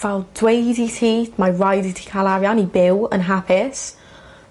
fal dweud i ti mae raid i ti cael arian i byw yn hapus